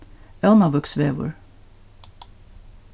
ónavíksvegur